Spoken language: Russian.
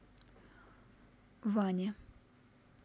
ване